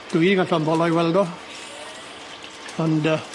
Dwi ga'l llond bol o'i weld o. Ond yy.